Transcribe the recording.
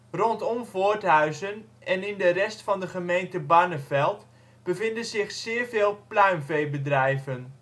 Rondom Voorthuizen en in de rest van de gemeente Barneveld bevinden zich zeer veel pluimveebedrijven